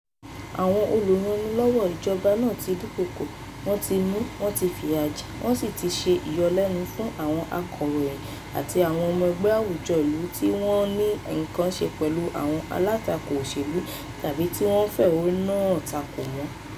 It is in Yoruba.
Àwọn olúranilọ́wọ̀ ìjọba náà tí dúnkòokò, wọ́n ti mú, wọ́n ti fìyà jẹ, wọ́n sì ti ṣe ìyọlẹ́nu fún àwọn akọ̀ròyìn àti àwọn ọmọ ẹgbẹ́ àwùjọ ìlú tí wọ́n ní ǹnkan ṣe pẹ̀lú àwọn alátakò òṣèlú tàbí tí wọ́n fẹ̀hónú hàn takò wọ́n.